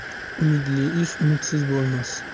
umidli ish umidsiz bo'lmas